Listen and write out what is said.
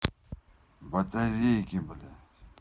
батарейки блядь